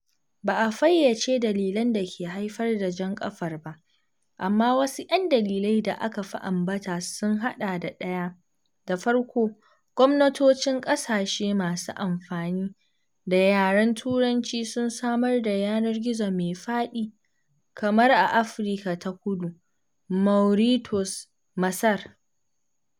Ba a fayyace dalilan da ke haifar da jan ƙafar ba, amma wasu 'yan dalilai da aka fi ambata sun haɗa da: 1) da farko gwamnatocin ƙasashe masu amfani da yaren Turanci sun samar da yanar gizo mai faɗi, kamar a (Afirka ta Kudu, Mauritius, Masar).